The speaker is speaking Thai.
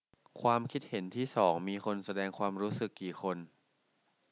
ความคิดเห็นที่สองมีคนแสดงความรู้สึกกี่คน